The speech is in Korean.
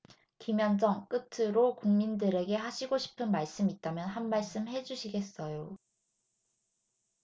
김현정 끝으로 국민들에게 하시고 싶은 말씀 있다면 한 말씀 해주시겠어요